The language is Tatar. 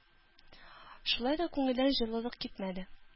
Шулай да күңелдән җылылык китмәде.